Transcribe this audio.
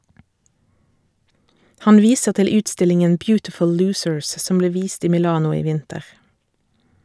Han viser til utstillingen «Beautiful Loosers» som ble vist i Milano i vinter.